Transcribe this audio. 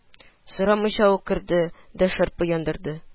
Сорамыйча ук керде дә шырпы яндырды